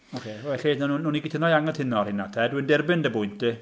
Ocê, felly, wna- wnawn ni gytuno i anghytuno ar hynna, te. Dwi'n derbyn dy bwynt di.